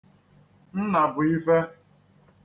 Nnàbụ̀ife